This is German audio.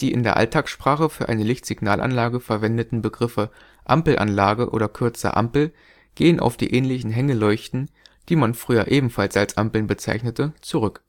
in der Alltagssprache für eine Lichtsignalanlage verwendeten Begriffe „ Ampelanlage “oder kürzer „ Ampel “gehen auf die ähnlichen Hängeleuchten, die man früher ebenfalls als Ampeln bezeichnete, zurück